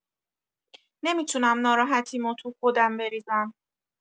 نمی‌تونم ناراحتیمو تو خودم بریزم.